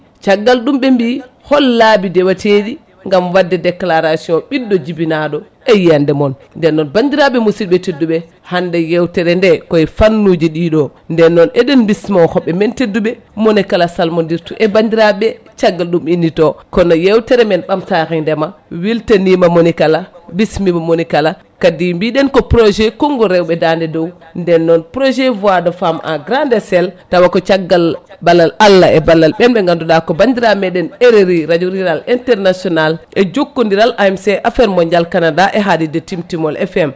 caggal ɗum ɓe mbi hol laabi deweteɗi gam wadde déclaration ɓiɗɗo jibinaɗo e yiyande moon nden bandiraɓe musidɓe tedduɓe hande yewtere nde koye fannuji ɗiɗo nden noon eɗen bismo hobɓe men tedduɓe monikala salmodirtu e bandiraɓe caggal ɗum innito kono yewtere men ɓamtare ndeema weltanima monikala bismima monikala kadi mbiɗen ko projet kongngol rewɓe dande dow nden noon prjet voix de femme en grande echelle tawa ko caggal ballal Allah e ballal ɓen ɓe ganduɗa ko bandiraɓe meɗen RRI radio rural international e jokkodiral AMC affire mondial Canada e haalirde Timtimol FM